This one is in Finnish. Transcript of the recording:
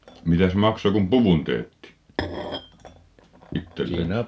mitäs maksoi kun puvun teetti itsellensä